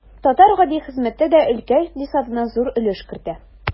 Татар гади хезмәттә дә өлкә икътисадына зур өлеш кертә.